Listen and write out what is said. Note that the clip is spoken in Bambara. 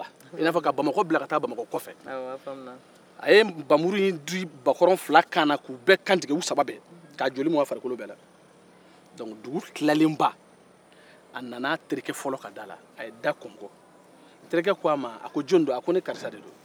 i n'a fɔ ka bamako bila ka taa bamakɔ kɔ fɛ awɔ a faamuna a ye npanmuru in da bakɔrɔn saba bɛɛ kan na k'u bɛɛ kantigɛ k'u joli mun a fari la dɔnku dugu tilalenba a nana a terike fɔlɔ ka da la a ye da kɔnkɔn terike ko jɔnni don a ko ne karisa don